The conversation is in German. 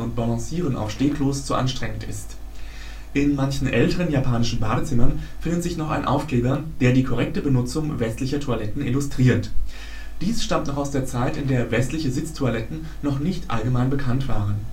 Balancieren auf Stehklos zu anstrengend ist. In manchen älteren japanischen Badezimmern befindet sich noch ein Aufkleber, der die korrekte Benutzung westlicher Toiletten illustriert. Dies stammt noch aus der Zeit, in der westliche Sitztoiletten noch nicht allgemein bekannt waren